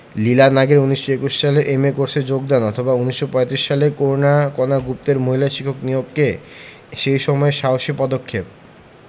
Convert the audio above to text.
লীলা নাগের ১৯২১ সালে এম.এ কোর্সে যোগদান অথবা ১৯৩৫ সালে করুণাকণা গুপ্তের মহিলা শিক্ষক হিসেবে নিয়োগকে সেই সময়ে সাহসী পদক্ষেপ